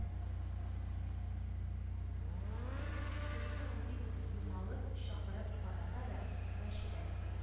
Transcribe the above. Сен «пес-пес» дип юмалап чакырып караса да, мәчедән